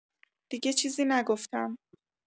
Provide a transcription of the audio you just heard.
دیگه چیزی نگفتم.